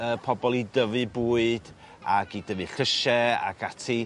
yy pobol i dyfu bwyd ag i dyfu llysie ag ati